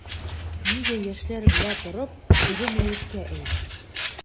Нигә яшьләр белә торып тере мәеткә әйләнә?